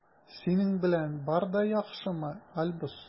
Синең белән бар да яхшымы, Альбус?